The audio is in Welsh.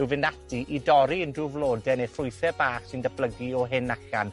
yw fynd ati i dorri unrhyw flode ne' ffrwyth' bach sy'n datblygu o hyn allan.